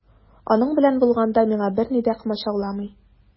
Аның белән булганда миңа берни дә комачауламый.